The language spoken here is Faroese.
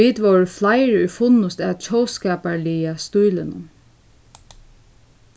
vit vóru fleiri ið funnust at tjóðskaparliga stílinum